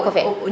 no coco fe